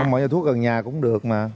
mở giỏ thuốc gần nhà cũng được mà